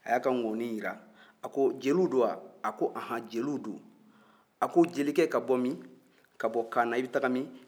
a y'a ka nkɔni jira a ko jeliw don wa a ko ɔnhɔn jeliw don a ko jelikɛ ka bɔ min a bɔ kana i bɛ taga min